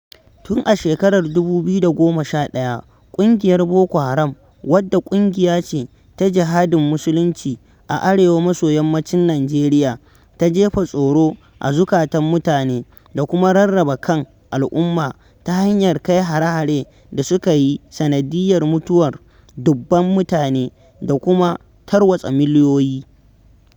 Tun a shekarar 2011 ƙungiyar Boko Haram, wadda ƙungiya ce ta jihadin musulunci a Arewa-maso-yammacin Nijeriya ta jefa tsoro a zukatan mutane da kuma rarraba kan al'umma ta hanyar kai hare-hare da suka yi sanadiyyar mutuwar dubunan mutane da kuma tarwatsa miliyoyi.